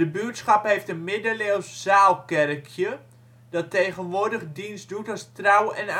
buurtschap heeft een middeleeuws zaalkerkje dat tegenwoordig dienst doet als trouw - en